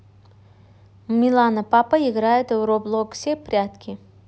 милана папа играет в роблоксе прятки